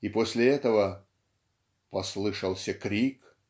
и после этого "послышался крик